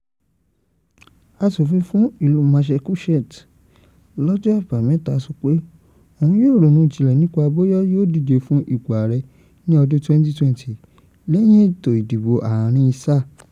Aṣòfin fún ìlú Massachusetts, lọ́jọ́ Àbámẹ́ta sọ pé òun yóò ronú jinlẹ̀ nípa bóyá yóò díje fún ipò ààrẹ ní ọdún 2020 lẹ́yìn ètò ìdìbò àárín sáà.